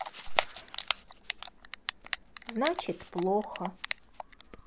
значит плохо